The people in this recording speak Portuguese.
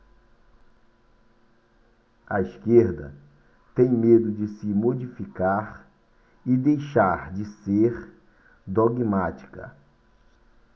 a esquerda tem medo de se modificar e deixar de ser dogmática